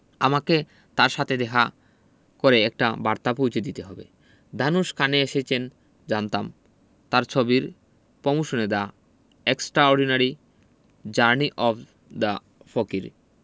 আমাকে তার সাথে দেখা করে একটি বার্তা পৌঁছে দিতে হবে ধানুশ কানে এসেছেন জানতাম তার ছবির পমোশনে the extraordinary journey of the Fakir